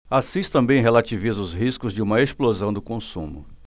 assis também relativiza os riscos de uma explosão do consumo